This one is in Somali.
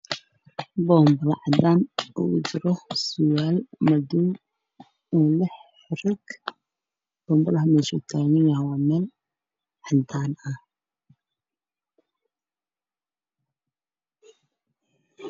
Meeshaan waxaa iiga muuqdo surwaal madow ah